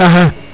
axa